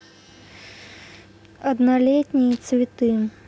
однолетние цветы